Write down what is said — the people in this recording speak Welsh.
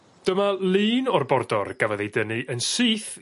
Dyma lun o'r bordor gafodd ei dynnu yn syth